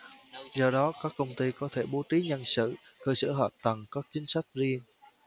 do đó các công ty có thể bố trí nhân sự cơ sở hạ tầng các chính sách riêng